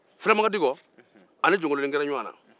fulamakan dikɔ ani jɔnkolonin kɛra ɲɔgɔn na